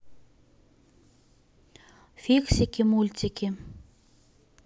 фиксики мультики